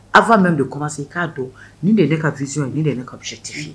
Aw fa mɛn bɛ kɔmansi k'a don min' ne kaiz ye min de ne ka tɛiye